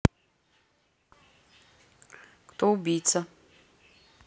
кто убийца